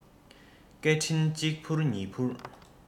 སྐད འཕྲིན གཅིག ཕུར གཉིས ཕུར